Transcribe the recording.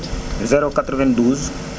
092